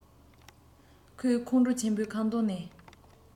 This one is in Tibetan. ཁོས ཁོང ཁྲོ ཆེན པོས ཁང སྟོང ནས